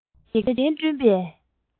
རྟོག བཟོའི འཇིག རྟེན བསྐྲུན པའི